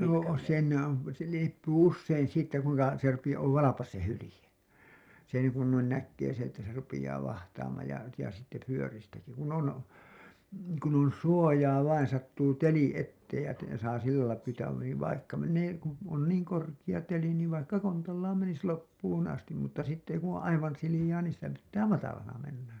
no siinä on se riippuu usein siitä kuinka se - on valpas se hylje sen kun noin näkee se että se rupeaa vahtaamaan ja ja sitten vyöristäkin kun on kun on suojaa vain sattuu teli eteen ja - saa sillä lailla pyytää niin vaikka menee kun on niin korkea teli niin vaikka kontallaan menisi loppuun asti mutta sitten kun on aivan sileää niin sitä pitää matalana mennä